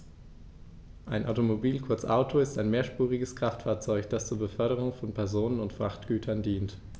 Ein Automobil, kurz Auto, ist ein mehrspuriges Kraftfahrzeug, das zur Beförderung von Personen und Frachtgütern dient.